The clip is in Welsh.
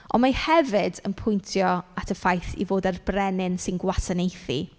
Ond mae hefyd yn pwyntio at y ffaith ei fod e'r brenin sy'n gwasanaethu.